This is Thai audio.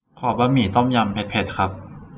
ขอบะหมี่ต้มยำเผ็ดเผ็ดครับ